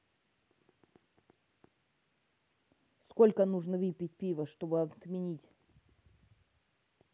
сколько нужно выпить пива чтобы отменить